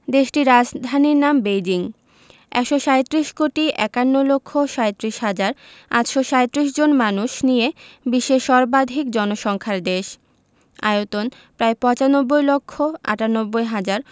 দেশটির রাজধানীর নাম বেইজিং ১৩৭ কোটি ৫১ লক্ষ ৩৭ হাজার ৮৩৭ জন মানুষ নিয়ে বিশ্বের সর্বাধিক জনসংখ্যার দেশ আয়তন প্রায় ৯৫ লক্ষ ৯৮ হাজার